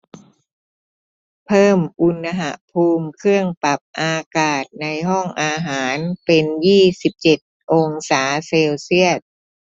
เพิ่มอุณหภูมิเครื่องปรับอากาศในห้องอาหารเป็นยี่สิบเจ็ดองศาเซลเซียส